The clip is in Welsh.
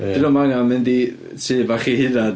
Dyn nhw'm angen mynd i tŷ bach ei hunan.